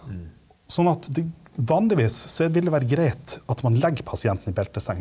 sånn at det vanligvis så er vil være greit at man legger pasientene i belteseng.